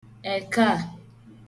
èkaa